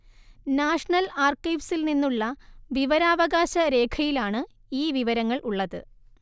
national ആർക്കൈവ്സിൽ നിന്നുള്ള വിവരാവകാശ രേഖയിലാണ് ഈ വിവരങ്ങൾ ഉള്ളത്